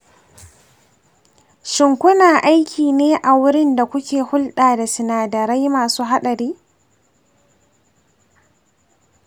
shin kuna aiki ne a wurin da kuke hulɗa da sinadarai masu haɗari?